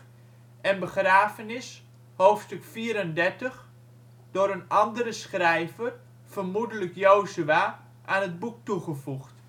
en begrafenis (hoofdstuk 34), door een andere schrijver, vermoedelijk Jozua, aan het boek toegevoegd